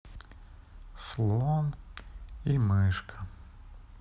слон и мышка